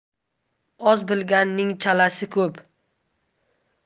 oz bilganning chalasi ko'p